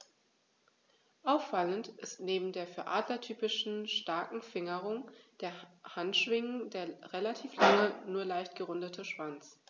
Auffallend ist neben der für Adler typischen starken Fingerung der Handschwingen der relativ lange, nur leicht gerundete Schwanz.